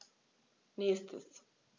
Nächstes.